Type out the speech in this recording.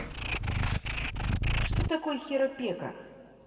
что такое хера пека